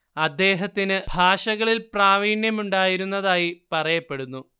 അദ്ദേഹത്തിന് ഭാഷകളിൽ പ്രാവീണ്യം ഉണ്ടായിരുന്നതായി പറയപ്പെടുന്നു